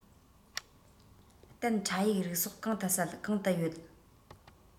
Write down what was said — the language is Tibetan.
གཏན ཁྲ ཡིག རིགས སོགས གང དུ གསལ གང དུ ཡོད